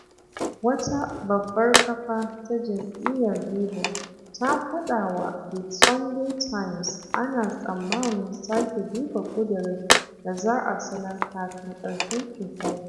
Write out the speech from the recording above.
Wata babbar kafa ta Jam'iyyar Labour ta faɗa wa The Sunday Times: Ana tsammanin sake duba ƙudurin da za a sanar kafin ƙarshen shekarar.